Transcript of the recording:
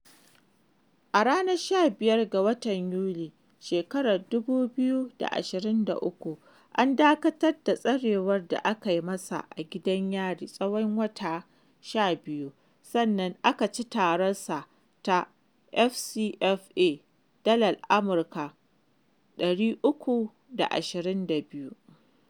A ranar 15 ga watan Yunin 2023, an dakatar da tsarewar da aka yi masa a gidan Yari tsawon wata 12, sannan aka ci tararsa ta FCFA (Dalar Amurka 322).